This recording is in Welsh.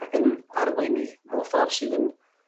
Ac yn arwain ni mew' ffor' sydd yn